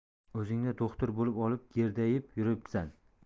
o'zing do'xtir bo'lib olib gerdayi ib yuribsan